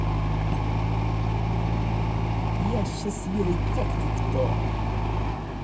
я счастливый как никто